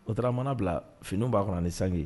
O toramana bila finiini b'a kɔnɔ sangin